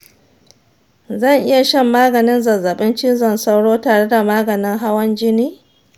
zan iya shan maganin zazzaɓin cizon sauro tare da maganin hawan jini?